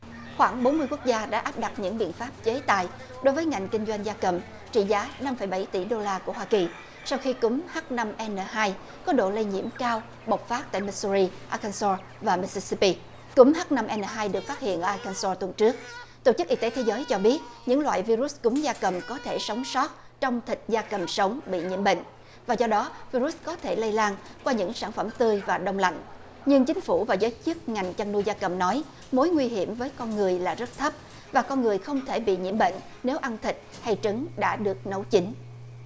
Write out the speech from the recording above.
khoảng bốn mươi quốc gia đã áp đặt những biện pháp chế tài đối với ngành kinh doanh gia cầm trị giá năm phẩy bảy tỷ đô la của hoa kỳ sau khi cúm hát năm e nờ hai có độ lây nhiễm cao bộc phát tại mi su ri ác ken so và mít si xi pi cúm hát năm e nờ hai được phát hiện ở ai cân so tuần trước tổ chức y tế thế giới cho biết những loại vi rút cúm gia cầm có thể sống sót trong thịt gia cầm sống bị nhiễm bệnh và do đó vi rút có thể lây lan qua những sản phẩm tươi và đông lạnh nhưng chính phủ và giới chức ngành chăn nuôi gia cầm nói mối nguy hiểm với con người là rất thấp và con người không thể bị nhiễm bệnh nếu ăn thịt hay trứng đã được nấu chín